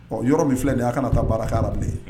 Ɔ yɔrɔ min filɛ nin a kana taa baara kaden ye